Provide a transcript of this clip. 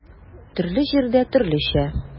Төрле җирдә төрлечә.